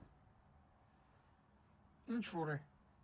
Ինչ որ է։